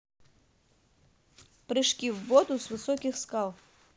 прыжки в воду с высоких скал